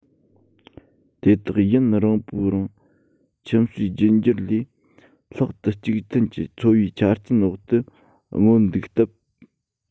དེ དག ཡུན རིང པོའི རིང ཁྱིམ གསོས རྒྱུད འགྱུར ལས ལྷག ཏུ གཅིག མཐུན གྱི འཚོ བའི ཆ རྐྱེན འོག ཏུ མངོན འདུག སྟབས